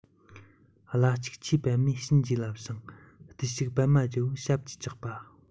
ལྷ གཅིག ཆུའི པད མས བྱིན གྱིས བརླབས ཤིང བརྟུལ ཞུགས པད མ རྒྱལ པོའི ཞབས ཀྱིས བཅགས པ